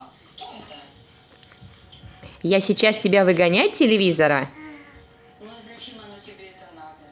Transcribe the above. я сейчас тебя выгонять телевизора